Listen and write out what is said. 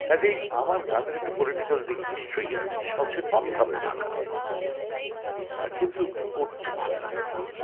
কাজেই আমার গানের একটা পলিটিক্যাল দিক নিশ্চয়ই আছে সচেতন ভাবে রাখা কিন্তু করতে ভালো লাগেনা